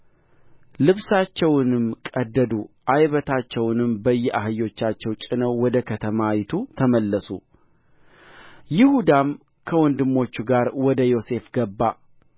ልብሳቸውንም ቀደዱ ዓይበታቸውንም በየአህዮቻቸው ጭነው ወደ ከተማይቱ ተመለሱ ይሁዳም ከወንድሞቹ ጋር ወደ ዮሴፍ ገባ